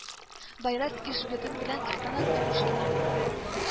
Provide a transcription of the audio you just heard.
Байрас Ишбирдин белән Светлана Горушкина